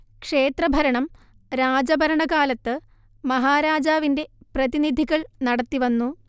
ക്ഷേത്രഭരണം രാജഭരണകാലത്ത് മഹാരാജാവിന്റെ പ്രതിനിധികൾ നടത്തിവന്നു